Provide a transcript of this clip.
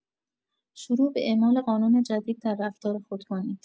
شروع به اعمال قانون جدید در رفتار خود کنید.